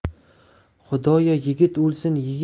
xudoyo yigit o'lsin